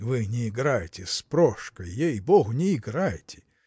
– Вы не играйте с Прошкой, ей-богу, не играйте!